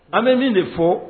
An bɛ min de fɔ